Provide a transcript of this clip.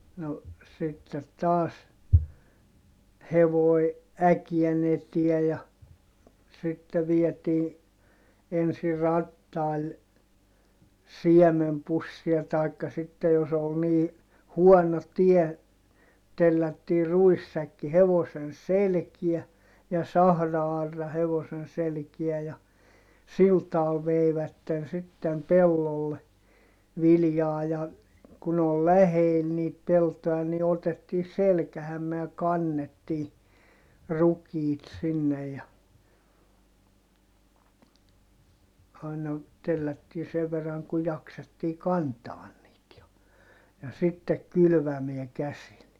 no sitten taas hevonen äkeen eteen ja sitten vietiin ensin rattailla siemenpussia tai sitten jos oli niin huono tie tellättiin ruissäkki hevosen selkään ja sahra-aura hevosen selkään ja sillä tavalla veivät sitten pellolle viljaa ja kun oli lähellä niitä peltoja niin otettiin selkäämme ja kannettiin rukiit sinne ja aina tellättiin sen verran kuin jaksettiin kantaa niitä ja ja sitten kylvämään käsillä